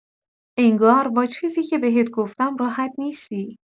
انگار با چیزی که بهت گفتم راحت نیستی.